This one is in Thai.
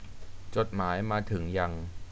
จดหมายมาถึงยัง